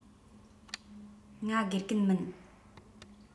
ང དགེ རྒན མིན